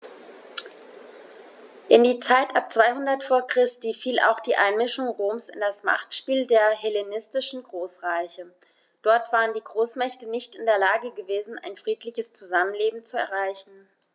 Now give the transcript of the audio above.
In die Zeit ab 200 v. Chr. fiel auch die Einmischung Roms in das Machtspiel der hellenistischen Großreiche: Dort waren die Großmächte nicht in der Lage gewesen, ein friedliches Zusammenleben zu erreichen.